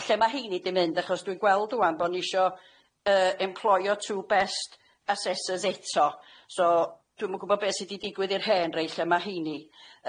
O lle ma' heini di mynd achos dwi'n gweld ŵan bo' ni isio yy emploio two best assessors eto so dwi'm yn gwbo be' sy di digwydd i'r hen rei lle ma' heini,